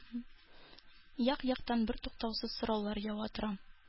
Як-яктан бертуктаусыз сораулар ява тора.